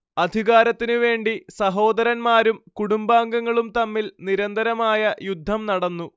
അധികാരത്തിനുവേണ്ടി സഹോദരന്മാരും കുടുംബാംഗങ്ങളും തമ്മിൽ നിരന്തരമായ യുദ്ധം നടന്നു